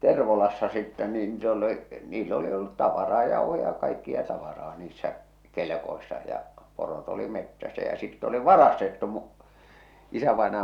Tervolassa sitten niin niitä oli oli niillä oli ollut tavaraa jauhoja ja kaikkea tavaraa niissä kelkoissa ja porot oli metsässä ja sitten oli varastettu - isävainaja